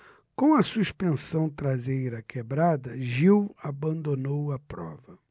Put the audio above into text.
com a suspensão traseira quebrada gil abandonou a prova